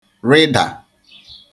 rịdà